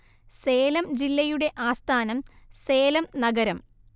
സേലം ജില്ലയുടെ ആസ്ഥാനം സേലം നഗരം